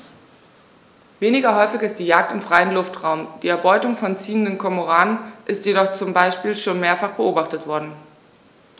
Weniger häufig ist die Jagd im freien Luftraum; die Erbeutung von ziehenden Kormoranen ist jedoch zum Beispiel schon mehrfach beobachtet worden.